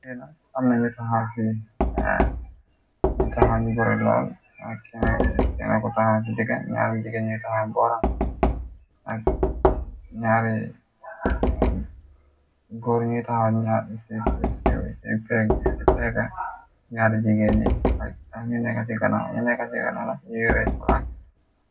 Na amna ñ txawñu taxaw ñi gure lool ak kena ku taxaw ci diga ñaar jigée ñuy taxaw booram ak ñari gor ñuy taxaw ccc pgg ci pegga ñaari jigéel yi ak ñu nekka ci ganaw ñu nekka ci gana la ñuyrey flakk.